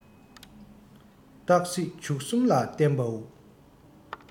གཏར སྲེག བྱུག གསུམ ལ བརྟེན པའོ